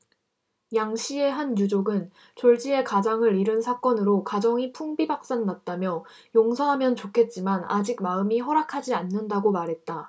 양 씨의 한 유족은 졸지에 가장을 잃은 사건으로 가정이 풍비박산 났다며 용서하면 좋겠지만 아직 마음이 허락하지 않는다고 말했다